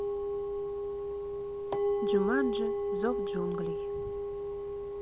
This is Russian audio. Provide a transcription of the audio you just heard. джуманджи зов джунглей